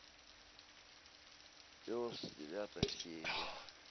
пес девятая серия